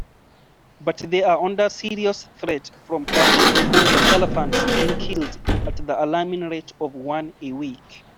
But they are under serious threat from poaching, with elephants being killed at the alarming rate of one a week.